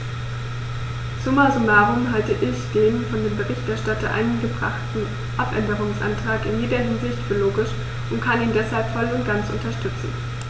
Summa summarum halte ich den von dem Berichterstatter eingebrachten Abänderungsantrag in jeder Hinsicht für logisch und kann ihn deshalb voll und ganz unterstützen.